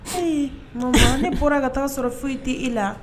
Ayi ne bɔra ka taa sɔrɔ foyi tɛ i la